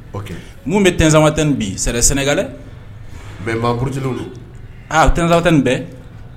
Mun bɛ tzma tɛ nin bi sɛ sɛnɛka dɛ bɛnbate tɛnɛnsat nin bɛn